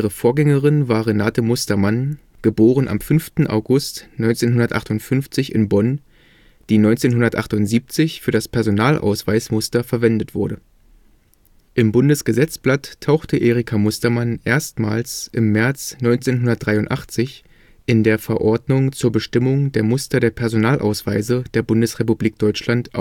Vorgängerin war Renate Mustermann (* 5. August 1958 in Bonn), die 1978 für das Personalausweis-Muster verwendet wurde. Im Bundesgesetzblatt tauchte Erika Mustermann erstmals im März 1983 in der Verordnung zur Bestimmung der Muster der Personalausweise der Bundesrepublik Deutschland